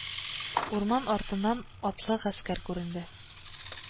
Урман артыннан атлы гаскәр күренде